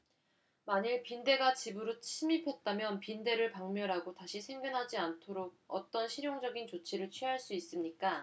만일 빈대가 집으로 침입했다면 빈대를 박멸하고 다시 생겨나지 않도록 어떤 실용적인 조처를 취할 수 있습니까